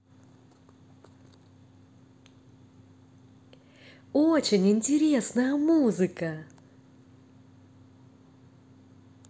очень интересная музыка